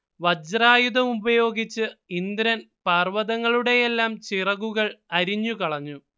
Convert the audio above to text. വജ്രായുധം ഉപയോഗിച്ച് ഇന്ദ്രൻ പർവ്വതങ്ങളുടെയെല്ലാം ചിറകുകൾ അരിഞ്ഞുകളഞ്ഞു